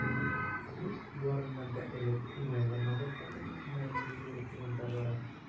Сүз, барыннан да элек, уңайлы модель организмнарын булдыру турында бара.